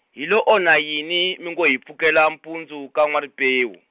hi lo onha yini mi ngo hi pfukela mpundzu ka N'wa-Ripewu?